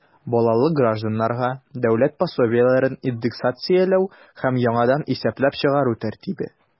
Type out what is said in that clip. Балалы гражданнарга дәүләт пособиеләрен индексацияләү һәм яңадан исәпләп чыгару тәртибе.